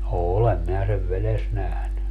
olen minä sen vedessä nähnyt